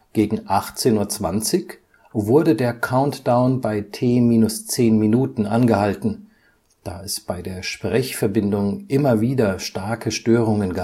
Gegen 18:20 Uhr wurde der Countdown bei T-10 min angehalten, da es bei der Sprechverbindung immer wieder starke Störungen